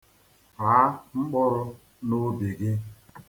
Ghaa mkpụrụ a n'ubi gị.